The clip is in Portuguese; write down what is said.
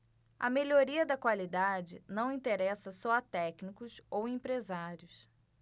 a melhoria da qualidade não interessa só a técnicos ou empresários